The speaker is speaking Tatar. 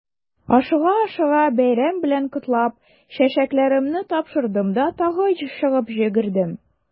Ашыга-ашыга бәйрәм белән котлап, чәчәкләремне тапшырдым да тагы чыгып йөгердем.